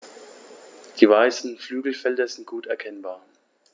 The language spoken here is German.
Die weißen Flügelfelder sind gut erkennbar.